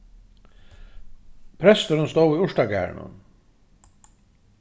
presturin stóð í urtagarðinum